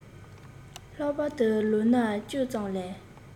ལྷག པར དུ ལོ ན བཅུ ཙམ ལས